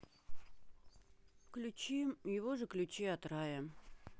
включи его же ключи от рая